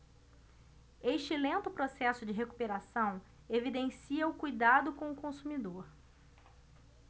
este lento processo de recuperação evidencia o cuidado com o consumidor